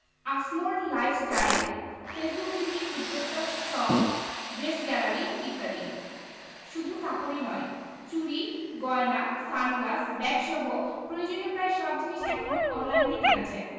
আসমোর lifestyle ফেসবুকভিত্তিক উদ্যোক্তা সঙ ড্রেস গ্যালারি ইত্যাদি শুধু কাপড়ই নয় চুড়ি গয়না সানগ্লাস ব্যাগসহ প্রয়োজনীয় প্রায় সব জিনিস এখন অনলাইনে কেনা যায়